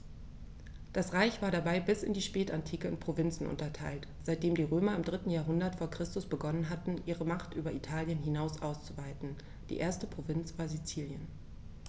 Das Reich war dabei bis in die Spätantike in Provinzen unterteilt, seitdem die Römer im 3. Jahrhundert vor Christus begonnen hatten, ihre Macht über Italien hinaus auszuweiten (die erste Provinz war Sizilien).